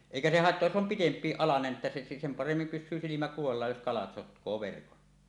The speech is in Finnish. eikä se haittaa jos on pitempi alanen että se sen paremmin pysyy silmä kuvallaan jos kalat sotkee verkon